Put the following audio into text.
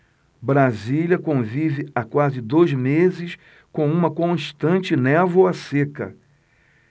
brasília convive há quase dois meses com uma constante névoa seca